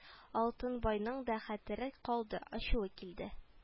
Алтынбайның да хәтере калды ачуы килде